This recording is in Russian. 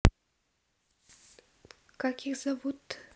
как их зовут